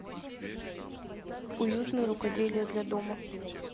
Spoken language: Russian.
уютное рукоделие для дома